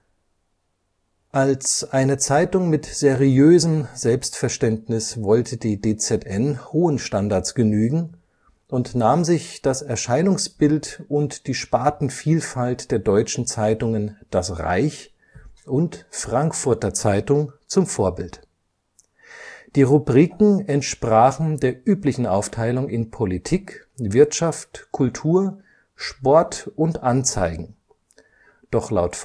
Ale eine Zeitung mit seriösem Selbstverständnis wollte die DZN hohen Standards genügen und nahm sich das Erscheinungsbild und die Spartenvielfalt der deutschen Zeitungen Das Reich und Frankfurter Zeitung zum Vorbild. Die Rubriken entsprachen der üblichen Aufteilung in Politik, Wirtschaft, Kultur, Sport und Anzeigen, doch laut